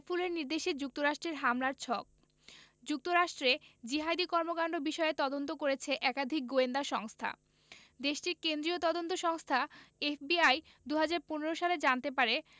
সাইফুলের নির্দেশে যুক্তরাষ্ট্রে হামলার ছক যুক্তরাষ্ট্রে জিহাদি কর্মকাণ্ড বিষয়ে তদন্ত করেছে একাধিক গোয়েন্দা সংস্থা দেশটির কেন্দ্রীয় তদন্ত সংস্থা এফবিআই ২০১৫ সালে জানতে পারে